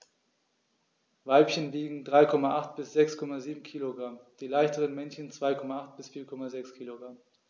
Weibchen wiegen 3,8 bis 6,7 kg, die leichteren Männchen 2,8 bis 4,6 kg.